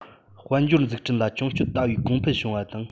དཔལ འབྱོར འཛུགས སྐྲུན ལ མཆོང སྐྱོད ལྟ བུའི གོང འཕེལ བྱུང བ དང